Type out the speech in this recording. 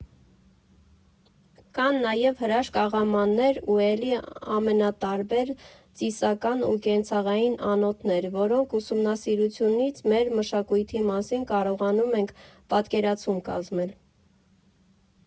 Կան նաև հրաշք աղամաններ ու էլի ամենատարբեր ծիսական ու կենցաղային անոթներ, որոնց ուսումնասիրությունից մեր մշակույթի մասին կարողանում ենք պատկերացում կազմել։